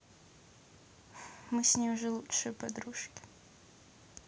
мы с ней уже лучшие подружки